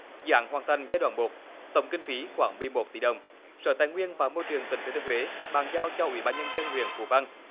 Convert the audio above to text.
dự án hoàn thành giai đoạn một tổng kinh phí khoảng mười một tỷ đồng sở tài nguyên và môi trường tỉnh thừa thiên huế bàn giao cho ủy ban nhân dân huyện phú vang